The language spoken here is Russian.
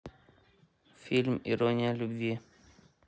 фильм ирония любви